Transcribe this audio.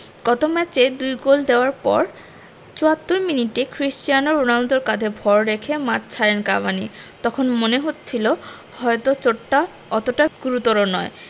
গত ম্যাচে দুই গোল দেওয়ার পর ৭৪ মিনিটে ক্রিস্টিয়ানো রোনালদোর কাঁধে ভর রেখে মাঠ ছাড়েন কাভানি তখন মনে হচ্ছিল হয়তো চোটটা অতটা গুরুতর নয়